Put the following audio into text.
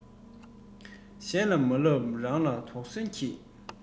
ཚང མས སྨོད པའི འདོད པ མེད ཟེར ན